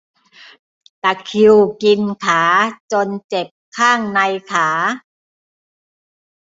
ตะคริวกินขาจนเจ็บข้างในขา